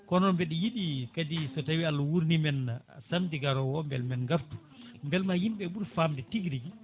kono mbiɗa yiiɗi kadi so tawi Allah wurnimen samedi garowo o beel men gartu beel ma yimɓeɓe ɓuur famde tiguirigui